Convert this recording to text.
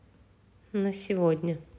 на сегодня